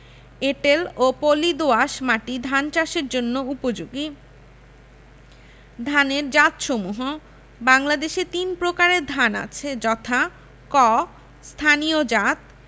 এঁটেল ও পলি দোআঁশ মাটি ধান চাষের জন্য উপযোগী ধানের জাতসমূহঃ বাংলাদেশে তিন প্রকারের ধান আছে যথাঃ ক স্থানীয় জাত